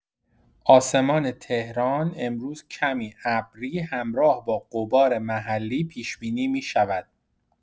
آسمان تهران امروز کمی ابری همراه با غبار محلی پیش‌بینی می‌شود.